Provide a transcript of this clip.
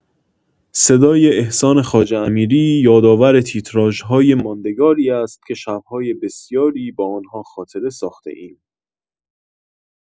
صدای احسان خواجه‌امیری یادآور تیتراژهای ماندگاری است که شب‌های بسیاری با آن‌ها خاطره ساخته‌ایم.